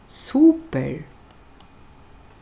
super